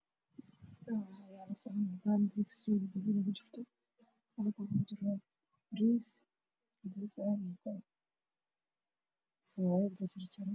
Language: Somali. Halkaanw axaa yaalo baasto suugo iyo sabaayad jarjaran